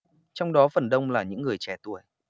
trong đó phần đông là những người trẻ tuổi